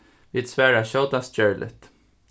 vit svara skjótast gjørligt